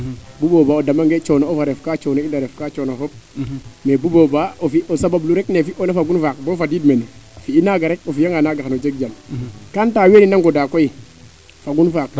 bu booba o dama nge coono ina refka coono fop mais bu booba o fi o sabablu rek ne fi oona fagun faak bo fadiid mene fi'i naaga rek o fiya nga naaga xano jeg jam quand a weene na ngoda koy fagun faak